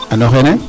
An o xeene.